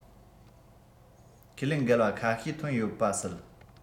ཁས ལེན འགལ བ ཁ ཤས ཐོན པ ཡོད སྲིད